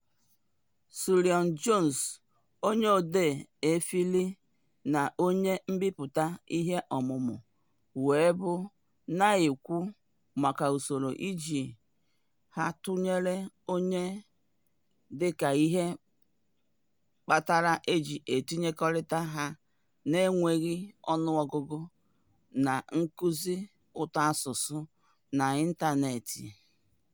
Sue Lyon-Jones, onye odee EFL na onye mbipụta iheọmụmụ weebụ, na-ekwu maka usoro iji ha tụnyere otu onye dịka ihe kpatara o ji etinyekọrịta ha n'enweghị ọnụọgụgụ na nkụzi ụtọasụsụ n'ịntaneetị.